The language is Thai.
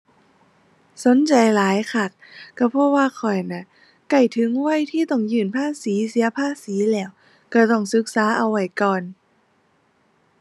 สนใจหลายคัก ก็เพราะว่าข้อยน่ะ ใกล้ถึงวัยที่ต้องยื่นภาษีเสียภาษีแล้ว ก็ต้องศึกษาเอาไว้ก่อน